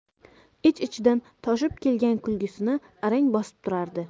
ich ichidan toshib kelgan kulgisini arang bosib turardi